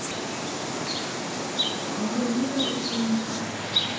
строганина из мяса